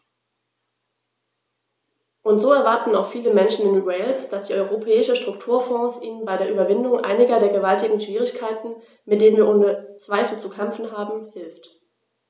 Und so erwarten auch viele Menschen in Wales, dass die Europäischen Strukturfonds ihnen bei der Überwindung einiger der gewaltigen Schwierigkeiten, mit denen wir ohne Zweifel zu kämpfen haben, hilft.